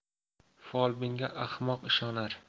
folbinga ahmoq ishonar